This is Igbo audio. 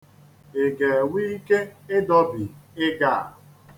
I ga-enwe ike ịdọbi ịga a?